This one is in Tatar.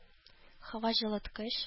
Һаваҗылыткыч